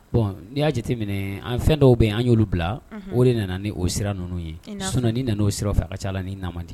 Bon n'i y'a jateminɛɛ an fɛn dɔw be ye an ɲ'olu bila unhun o de nana ni o sira nunnu ye i n'a fɔ sinon n'i nan'o siraw fɛ a ka c'a la nin na mandi